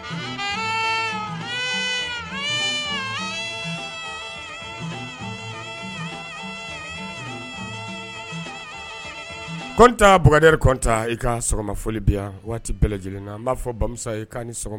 Kotan bdari kɔn i ka sɔgɔma foli bi yan waati bɛɛ lajɛlen na n b'a fɔ basa i